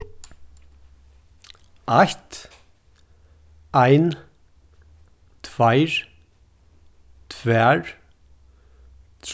eitt ein tveir tvær